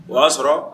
O y'a sɔrɔ